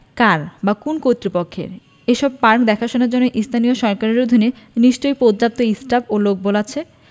কার বা কোন্ কর্তৃপক্ষের এসব পার্ক দেখাশোনার জন্য স্থানীয় সরকারের অধীনে নিশ্চয়ই পর্যাপ্ত স্টাফ ও লোকবল আছে